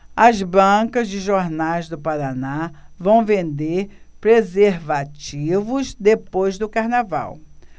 as bancas de jornais do paraná vão vender preservativos depois do carnaval